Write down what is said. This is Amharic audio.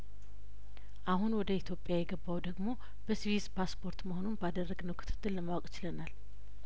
አሁን ወደ ኢትዮጵያ የገባው ደግሞ በስዊዝ ፓስፖርት መሆኑን ባደረ ግነው ክትትል ለማወቅችለናል